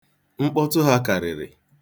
Mkpọtụ ha karịrị.